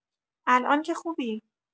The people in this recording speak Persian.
الان که خوبی؟